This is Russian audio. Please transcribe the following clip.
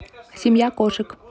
семья кошек